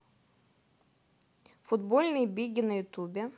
футбольные биги на ютубе